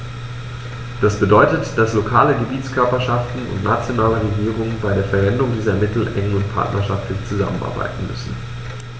Das bedeutet, dass lokale Gebietskörperschaften und nationale Regierungen bei der Verwendung dieser Mittel eng und partnerschaftlich zusammenarbeiten müssen.